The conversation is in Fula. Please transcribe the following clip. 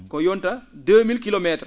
ko yonata 2000 kilos métres